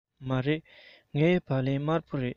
མ རེད ངའི སྦ ལན དམར པོ རེད